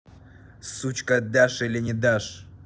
сучка дашь или нидашь